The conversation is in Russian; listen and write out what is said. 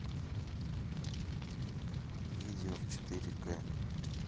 видео в четыре к